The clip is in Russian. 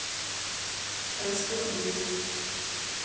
ростов дети